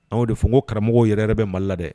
Anw de fɔ ko karamɔgɔ yɛrɛ yɛrɛ bɛ mali la dɛ